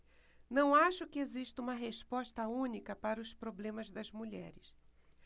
não acho que exista uma resposta única para os problemas das mulheres